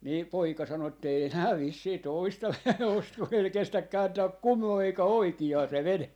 niin poika sanoi että ei enää vissiin toista osta kun ei se kestä kääntää kumoon eikä oikeaan se vene